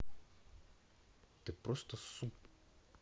ты просто суп